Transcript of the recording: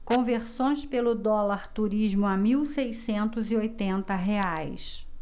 conversões pelo dólar turismo a mil seiscentos e oitenta reais